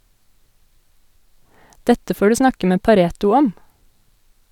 Dette får du snakke med Pareto om.